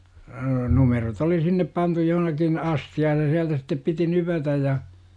numerot oli sinne pantu johonkin astiaan ja sieltä sitten piti nypätä ja